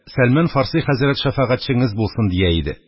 Сәлман Фарси хәзрәт шәфәгатьчеңез булсын! – дия иде.